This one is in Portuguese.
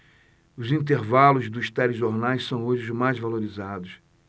os intervalos dos telejornais são hoje os mais valorizados